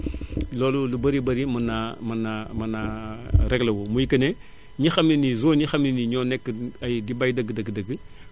loolu lu bari bari mën naa mën naa mën naa réglé wu muy que ne ñi xam ne nii zone yi xam ne nii ñoo nekk ay di bay dëgg dëgg dëgg